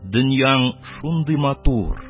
Дөньяң шундый матур,